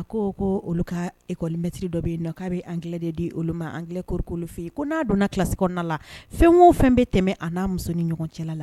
A ko ko olu ka ekkɔlimɛtiri dɔ bɛ yen nɔn k'a bɛ antigɛ de di olu ma ankoro fɛ yen ko n'a donna kilasi kɔnɔna la fɛn o fɛn bɛ tɛmɛ a n'a muso ni ɲɔgɔn cɛla la